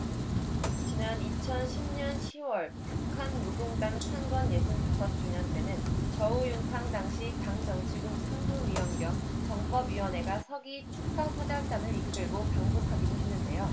지난 이천 십 년 시 월 북한 노동당 창건 예순 다섯 주년 때는 저우융캉 당시 당 정치국 상무위원 겸 정법위원회 서기가 축하사절단을 이끌고 방북하기도 했는데요